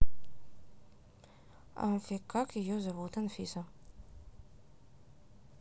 amfi как ее зовут анфиса